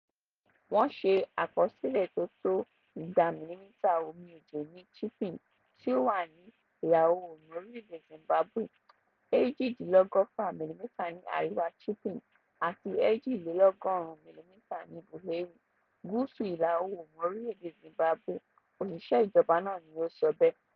"Wọ́n ṣe àkọsílẹ̀ tí ó tó 200 mìlímita omi òjò ní Chipinge [tí ó wà ní ìlà-oòrùn orílẹ̀ èdè Zimbabwe], 118 mìlímita ní àríwá Chipinge, àti 102 mìlímita ní Buhera [gúúsù ìlà oòrùn Orílẹ̀ èdè Zimbabwe]," òṣìṣẹ́ ìjọba náà ni ó sọ bẹ́ẹ̀.